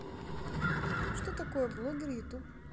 что такое блогер youtube